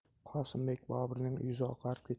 qosimbek boburning yuzi oqarib